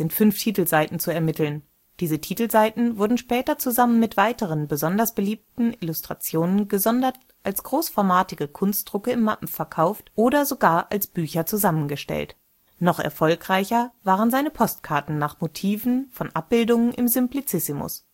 fünf Titelseiten zu ermitteln. Diese Titelseiten wurden später zusammen mit weiteren besonders beliebten Illustrationen gesondert als großformatige Kunstdrucke in Mappen verkauft oder sogar als Bücher zusammengestellt. Noch erfolgreicher waren seine Postkarten nach Motiven von Abbildungen im „ Simplicissimus